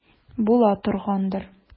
Була торгандыр.